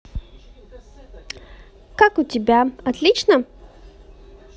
как у тебя отлично